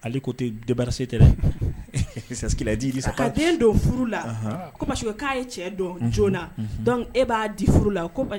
Ko tɛbara ka den don furu la ko k'a ye cɛ dɔn jɔn na e b'a di furu la